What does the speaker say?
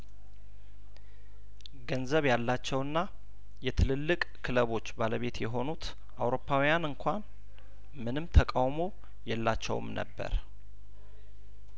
ገንዘብ ያላቸውና የትልልቅ ክለቦች ባለቤት የሆኑት አውሮፓውያን እንኳን ምንም ተቃውሞ የላቸውም ነበር